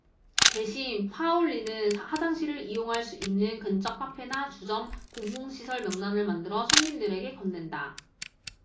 대신 파울리는 화장실을 이용할 수 있는 근처 카페나 주점 공공시설 명단을 만들어 손님들에게 건넨다